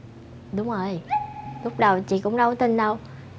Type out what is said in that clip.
đúng rồi lúc đầu chị cũng đâu có tin đâu